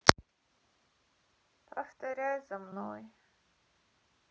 повторяй за мной